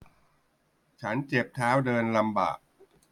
ฉันเจ็บเท้าเดินลำบาก